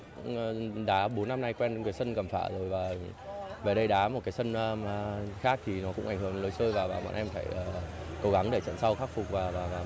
ơ đá bốn năm nay quen với sân cẩm phả rồi và về đây đá một cái sân a khác thì nó cũng ảnh hưởng lối chơi và bọn em phải cố gắng để trận sau khắc phục và và